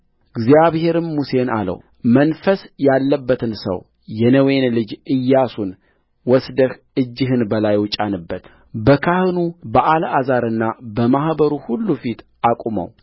እግዚአብሔርም ሙሴን አለው መንፈስ ያለበትን ሰው የነዌን ልጅ ኢያሱን ወስደህ እጅህን በላዩ ጫንበትበካህኑ በአልዓዛርና በማኅበሩ ሁሉ ፊት አቁመው